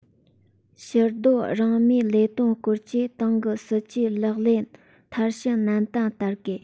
ཕྱིར སྡོད རང མིའི ལས དོན སྐོར གྱི ཏང གི སྲིད ཇུས ལག ལེན མཐར ཕྱིན ནན ཏན བསྟར དགོས